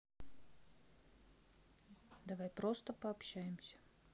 давай просто пообщаемся